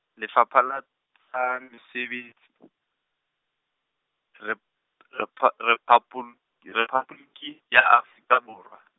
Lefapha la tsa, Mesebetsi , Rep- Repha- Rephabol- Rephaboliki ya Afrika Borwa.